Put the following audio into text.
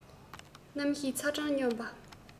གནམ གཤིས ཚ གྲང སྙོམས པ